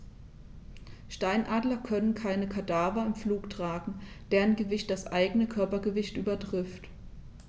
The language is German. Steinadler können keine Kadaver im Flug tragen, deren Gewicht das eigene Körpergewicht übertrifft.